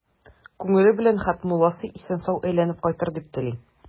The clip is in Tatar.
Күңеле белән Хәтмулласы исән-сау әйләнеп кайтыр дип тели.